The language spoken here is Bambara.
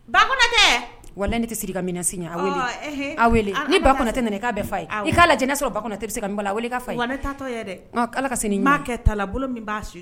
Ba tɛ wa ne tɛ siri ka min sini a ni ba kɔnɔ tɛ nin k'a bɛɛ fa ayi ye i k'a jɛnɛ sɔrɔ ba kɔnɔ tɛ bɛ se ka nin wele dɛ ala ka